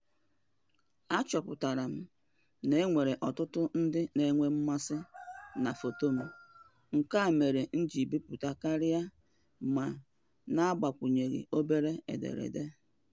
Achọpụtara m na e nwere ọtụtụ ndị na-enwe mmasị na foto m nke a mere m ji bipute karịa, ma na-agbakwụnye obere ederede.